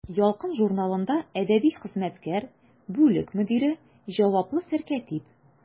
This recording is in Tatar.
«ялкын» журналында әдәби хезмәткәр, бүлек мөдире, җаваплы сәркәтиб.